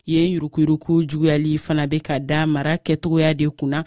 yen yuruguyurugu juguyali fana bɛ ka da marakɛcogoya de kunna